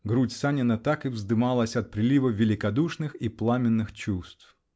Грудь Санина так и вздымалась от прилива великодушных и пламенных чувств!